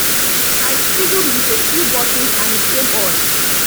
I fiddled with a few buttons and it came on.